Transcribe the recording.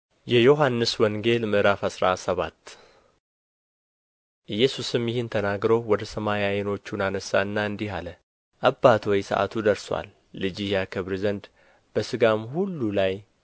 የዮሐንስ ወንጌል ምዕራፍ አስራ ሰባት ኢየሱስም ይህን ተናግሮ ወደ ሰማይ ዓይኖቹን አነሣና እንዲህ አለ አባት ሆይ ሰዓቱ ደርሶአል ልጅህ ያከብርህ ዘንድ በሥጋም ሁሉ ላይ